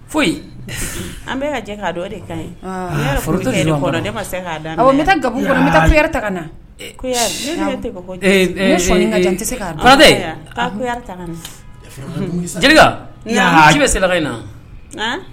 An na jeliba ci bɛ se in na